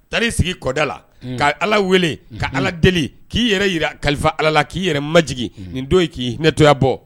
Taar'i sigi kɔ da la. Un! Ka Ala wele. Unhun! Ka Ala deli, k'i yɛrɛ jira kalifa Ala la k'i yɛrɛ majigi. Unhun! N'i don in k'i hinɛtoya bɔ.